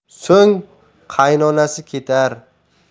so'ng qaynonasi ketar